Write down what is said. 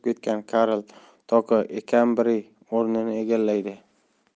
ketgan karl toko ekambi o'rnini egallaydi